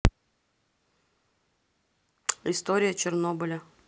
история чернобыля